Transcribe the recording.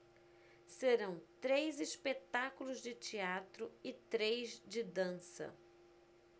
serão três espetáculos de teatro e três de dança